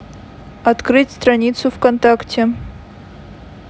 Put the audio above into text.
открыть страницу вконтакте